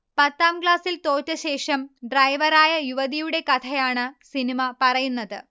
പത്താംക്ലാസിൽ തോറ്റശേഷം ഡ്രൈവറായ യുവതിയുടെ കഥയാണ് സിനിമ പറയുന്നത്